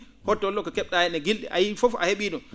hotollo ko ke??aa heen e gil?i a yiyii fof a he?ii ?um